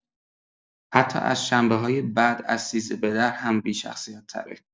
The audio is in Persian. حتی از شنبه‌های بعد از سیزده‌بدر هم بی‌شخصیت تره